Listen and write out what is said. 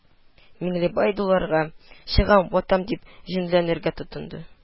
Миңлебай дуларга, "чыгам, ватам", дип җенләнергә тотынды